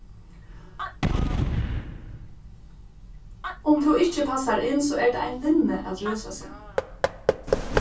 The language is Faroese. um tú ikki passar inn so er tað ein linni at rúsa seg